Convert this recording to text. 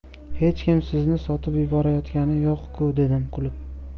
hech kim sizni sotib yuborayotgani yo'q ku dedim kulib